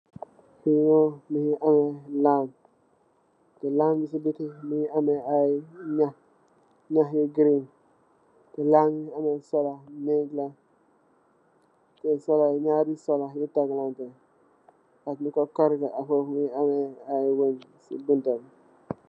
Ke mu nge ameh land. Land bi si beti mu nge ameh nyher yu green. land bi mu nge ameh sola negla, nyari sola yu teklante ak nu ko kalo mu am ai wen si bontabi.